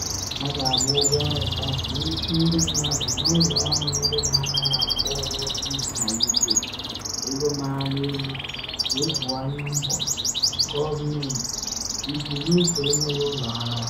A ga-agba ụgwọ ọrụ stampụ n’isi ndị mmadụ na ụlọ ọrụ ndị na anaghị akwụ ụgwọ ụtụ isi na UK, ego mara n’elu ga-ebuwanye mbọ Gọọmentị iji luso enweghị ụlọ agha.